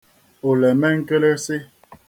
òlème nkịrịsị